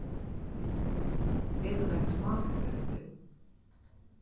eru nakrar smákakur eftir